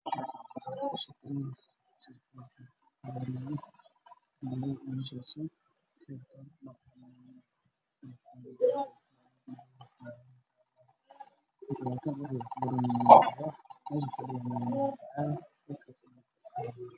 Waa arday dugsi quraan baraneso